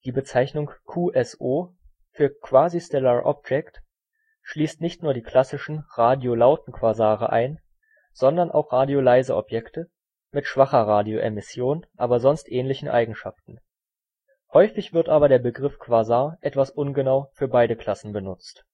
Bezeichnung QSO für quasi-stellar object schließt nicht nur die klassischen radiolauten Quasare ein, sondern auch radioleise Objekte mit schwacher Radioemission aber sonst ähnlichen Eigenschaften. Häufig wird aber der Begriff Quasar etwas ungenau für beide Klassen benutzt